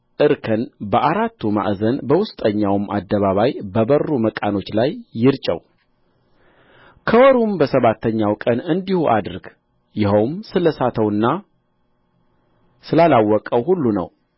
እርከን በአራቱ ማዕዘን በውስጠኛውም አደባባይ በበሩ መቃኖች ላይ ይርጨው ከወሩም በሰባተኛው ቀን እንዲሁ አድርግ ይኸውም ስለ ሳተውና ስላላወቀው ሁሉ ነው